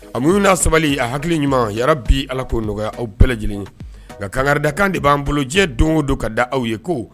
A minnu n'a sabali a hakili ɲuman yara bi ala koo nɔgɔya aw bɛɛ lajɛlen ye nka kangada kan de b'an bolo diɲɛ don o don ka da aw ye ko